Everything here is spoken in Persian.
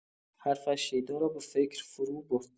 حرفش شیدا را به فکر فروبرد.